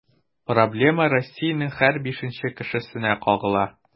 Проблема Россиянең һәр бишенче кешесенә кагыла.